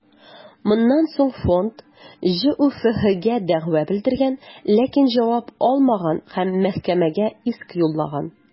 Моннан соң фонд ҖҮФХгә дәгъва белдергән, ләкин җавап алмаган һәм мәхкәмәгә иск юллаган.